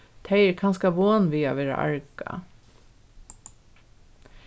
tey eru kanska von við at verða argað